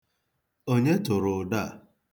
Onye tụrụ ụdọ a?